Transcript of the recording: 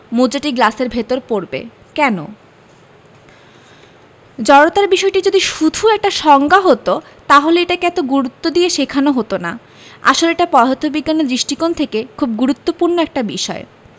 মুদ্রাটি গ্লাসের ভেতর পড়বে কেন জড়তার বিষয়টি যদি শুধু একটা সংজ্ঞা হতো তাহলে এটাকে এত গুরুত্ব দিয়ে শেখানো হতো না আসলে এটা পদার্থবিজ্ঞানের দৃষ্টিকোণ থেকে খুব গুরুত্বপূর্ণ একটা বিষয়